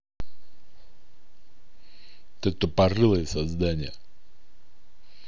ты тупорылое создание